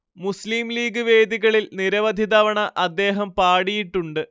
മുസ്ലീം ലീഗ് വേദികളിൽ നിരവധി തവണ അദ്ദേഹം പാടിയിട്ടുണ്ട്